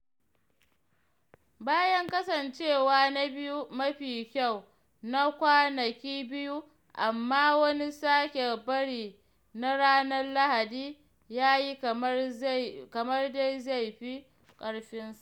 Bayan kasancewa na biyu mafi kyau na kwanaki biyu, amma, wani sake hari na ranar Lahadi ya yi kamar dai zai fi ƙarfinsu.